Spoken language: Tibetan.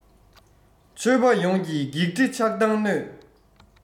ཆོས པ ཡོངས ཀྱི བགེགས འདྲེ ཆགས སྡང གནོད